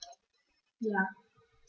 Ja.